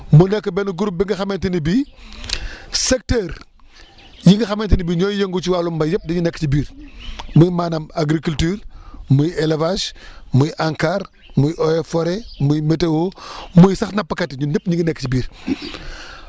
mu nekk benn groupe bi nga xamante ni bii secteur yi nga xamante ne bii ñooy yëngu ci wàllum mbéy yëpp dañuy nekk ci biir muy maanaam agriculture muy élevage muy Ancar muy eaux et forêt muy météo muy sax nappkat yi ñun ñëpp ñu ngi nekk ci biir